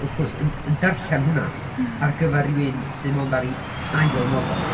Wrth gwrs yn yn darllen hwnna ar gyfer rhywun sydd mond ar ei ail nofel.